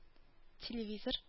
Телевизор